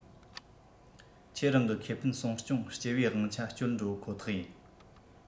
ཁྱེད རང གི ཁེ ཕན སྲུང སྐྱོང སྤྱི པའི དབང ཆ སྤྱོད འགྲོ ཁོ ཐག ཡིན